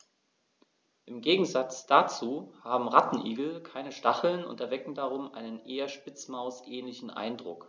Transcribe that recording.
Im Gegensatz dazu haben Rattenigel keine Stacheln und erwecken darum einen eher Spitzmaus-ähnlichen Eindruck.